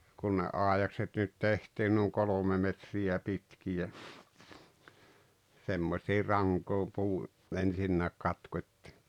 kun ne aidakset nyt tehtiin niin kolme metriä pitkiä semmoisiin rankoihin puu ensinnäkin katkottiin